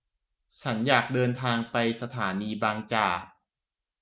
ฉันอยากเดินทางไปสถานีบางจาก